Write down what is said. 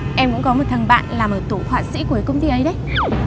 em cũng có một thằng bạn làm ở tổ họa sĩ của công ty ấy đấy